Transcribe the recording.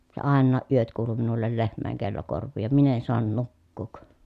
se aina yöt kuului minulle lehmien kello korviin ja minä en saanut nukkua